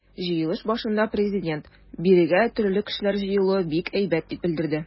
Җыелыш башында Президент: “Бирегә төрле кешеләр җыелуы бик әйбәт", - дип белдерде.